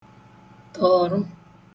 tọ̀rụ